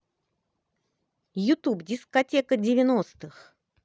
ютуб дискотека девяностых